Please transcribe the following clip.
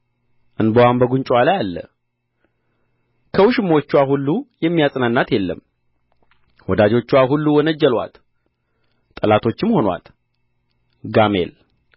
እንባዋም በጕንጭዋ ላይ አለ ከውሽሞችዋ ሁሉ የሚያጽናናት የለም ወዳጆችዋ ሁሉ ወነጀሉአት ጠላቶችም ሆኑአት ጋሜል